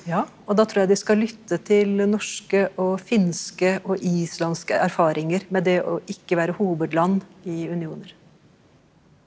ja, og da tror jeg de skal lytte til norske og finske og islandske erfaringer med det å ikke være hovedland i unioner.